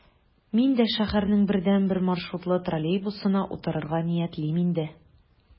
Мин дә шәһәрнең бердәнбер маршрутлы троллейбусына утырырга ниятлим инде...